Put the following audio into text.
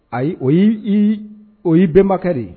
Ayi o o i bɛnbakɛ de ye